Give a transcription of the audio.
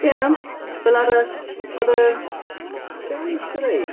Ia fel arall, oedd y... be o'n i isio ddeud?